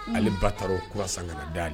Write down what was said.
Ale bata o kura san ka dalen ye